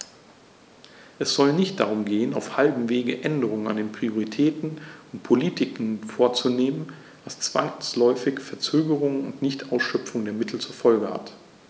Es sollte nicht darum gehen, auf halbem Wege Änderungen an den Prioritäten und Politiken vorzunehmen, was zwangsläufig Verzögerungen und Nichtausschöpfung der Mittel zur Folge hat.